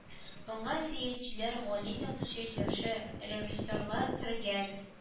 Аңа сәяәсәтчеләр галим язучы җырчы режиссерлар кергән